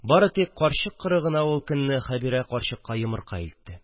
Бары тик карчык-коры гына ул көнне Хәбирә карчыкка йомырка илтте